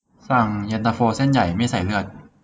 สั่งเย็นตาโฟเส้นใหญ่ไม่ใส่เลือด